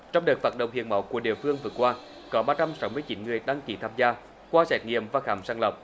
trong đợt vận động hiến máu của địa phương vừa qua có ba trăm sáu mươi chín người đăng ký tham gia qua xét nghiệm và khám sàn lọc